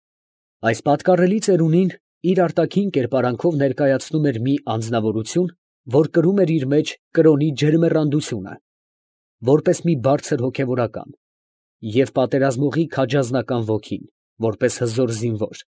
Այս պատկառելի ծերունին իր արտաքին կերպարանքով ներկայացնում էր մի անձնավորություն, որ կրում էր իր մեջ կրոնի ջերմեռանդությունը, որպես մի բարձր հոգևորական, և պատերազմողի քաջազնական ոգին, որպես հզոր զինվոր։